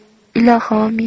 ilohi omi i in